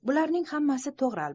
bularning hammasi to'g'ri